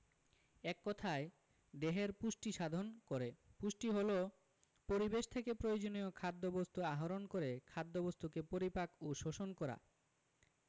এক কথায় দেহের পুষ্টি সাধন করে পুষ্টি হলো পরিবেশ থেকে প্রয়োজনীয় খাদ্যবস্তু আহরণ করে খাদ্যবস্তুকে পরিপাক ও শোষণ করা